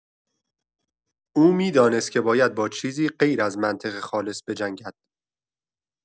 او می‌دانست که باید با چیزی غیراز منطق خالص بجنگد.